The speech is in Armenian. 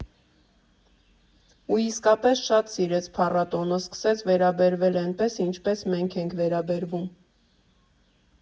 Ու իսկապես շատ սիրեց փառատոնը, սկսեց վերաբերվել էնպես, ինչպես մենք ենք վերաբերվում։